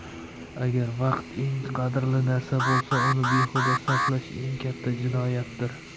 agar vaqt eng qadrli narsa bo'lsa uni behuda sarflash eng katta jinoyatdir